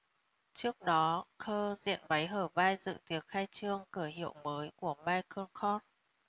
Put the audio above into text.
trước đó kerr diện váy hở vai dự tiệc khai trương cửa hiệu mới của michael kors